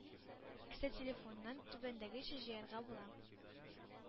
Кесә телефоныннан түбәндәгечә җыярга була: